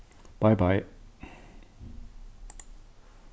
bei bei